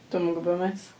Dwi'm yn gwbod mêt.